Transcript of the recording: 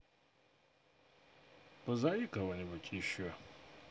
позови кого нибудь еще